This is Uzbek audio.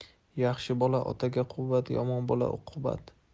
yaxshi bola otaga quvvat yomon bola uqubat